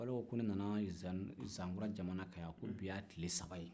balɔbɔ ko ne nana zankura jamana kan yan bi y'a tile saba ye